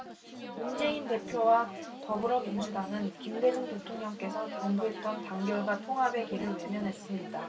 문재인 대표와 더불어민주당은 김대중 대통령께서 당부했던 단결과 통합의 길을 외면했습니다